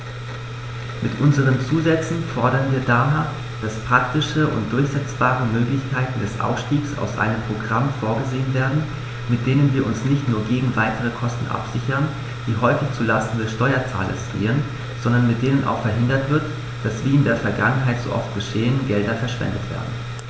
Mit unseren Zusätzen fordern wir daher, dass praktische und durchsetzbare Möglichkeiten des Ausstiegs aus einem Programm vorgesehen werden, mit denen wir uns nicht nur gegen weitere Kosten absichern, die häufig zu Lasten des Steuerzahlers gehen, sondern mit denen auch verhindert wird, dass, wie in der Vergangenheit so oft geschehen, Gelder verschwendet werden.